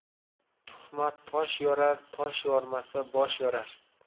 tuhmat tosh yorar tosh yormasa bosh yorar